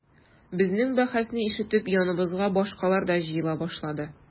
Безнең бәхәсне ишетеп яныбызга башкалар да җыела башлады.